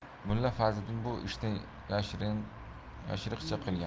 mulla fazliddin bu ishni yashiriqcha qilgan